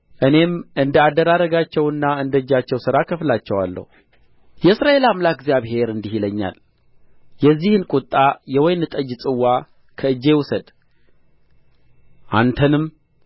እኔም እንደ አደራረጋቸውና እንደ እጃቸው ሥራ እከፍላቸዋለሁ የእስራኤል አምላክ እግዚአብሔር እንዲህ ይለኛል የዚህን ቍጣ የወይን ጠጅ ጽዋ ከእጄ ውሰድ አንተንም